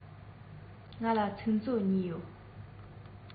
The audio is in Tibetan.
ང ལ ཚིག མཛོད གཉིས ཡོད